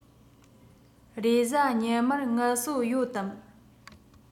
རེས གཟའ ཉི མར ངལ གསོ ཡོད དམ